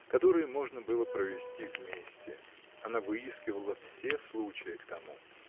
которые можно было провести вместе. Она выискивала все случаи к тому.